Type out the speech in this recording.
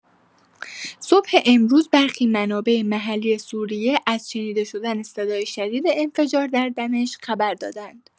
صبح امروز برخی منابع محلی سوریه از شنیده شدن صدای شدید انفجار در دمشق خبر دادند.